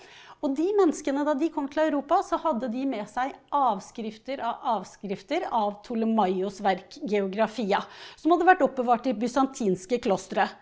og de menneskene, da de kom til Europa, så hadde de med seg avskrifter av avskrifter av Ptolemaios' verk Geografia, som hadde vært oppbevart i bysantinske klostre.